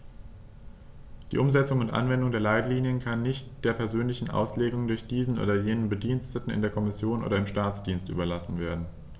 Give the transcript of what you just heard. Die Umsetzung und Anwendung der Leitlinien kann nicht der persönlichen Auslegung durch diesen oder jenen Bediensteten in der Kommission oder im Staatsdienst überlassen werden.